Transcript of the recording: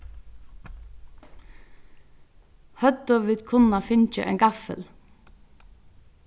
høvdu vit kunnað fingið ein gaffil